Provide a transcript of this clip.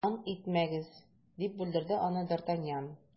- ант итмәгез, - дип бүлдерде аны д’артаньян.